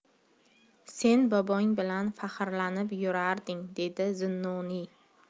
sen bobong bilan faxrlanib yurarding dedi zunnuniy